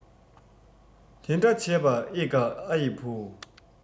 དེ འདྲ བྱས པ ཨེ དགའ ཨ ཡི བུ